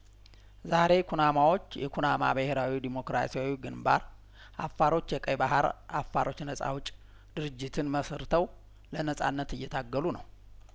ዛሬ ኩናማዎች የኩናማ ብሄራዊ ዴሞክራሲያዊ ግንባር አፋሮች የቀይ ባህር አፋሮች ነጻ አውጭ ድርጅትን መስርተው ለነጻነት እየታገሉ ነው